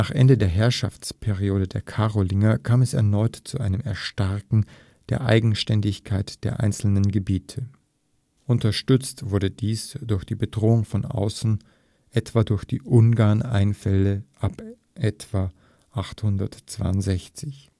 Ende der Herrschaftsperiode der Karolinger kam es erneut zu einem Erstarken der Eigenständigkeit der einzelnen Gebiete. Unterstützt wurde dies durch die Bedrohung von außen durch die Ungarneinfälle ab etwa 862